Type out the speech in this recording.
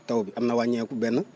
taw bi am na wàññeeku benn